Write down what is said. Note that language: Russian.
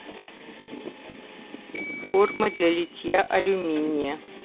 форма для литья алюминия